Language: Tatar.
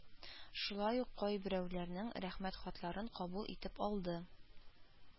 Шулай ук кайберәүләр рәхмәт хатларын кабул итеп алды